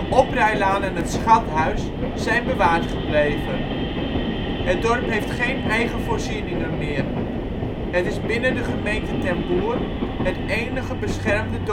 oprijlaan en het schathuis zijn bewaard gebleven. Het dorp heeft geen eigen voorzieningen meer. Het is binnen de gemeente Ten Boer het enige beschermde